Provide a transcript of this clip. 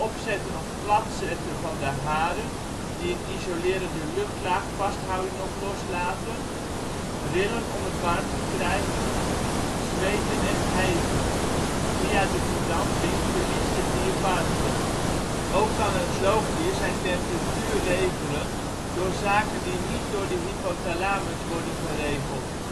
opzetten/platzetten van de haren (die een isolerende luchtlaag vasthouden/loslaten), rillen om het warm te krijgen zweten en hijgen (via de verdamping verliest het dier warmte). Ook kan een zoogdier zijn temperatuur regelen door zaken die niet door de hypothalamus worden geregeld